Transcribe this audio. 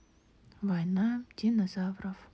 война динозавров